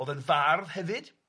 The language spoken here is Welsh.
o'dd yn fardd hefyd... Mm...